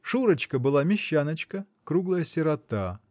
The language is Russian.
Шурочка была мещаночка, круглая сирота.